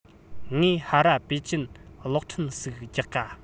ངས ཧར ར པེ ཅིན གློག འཕྲིན ཟིག རྒྱག ག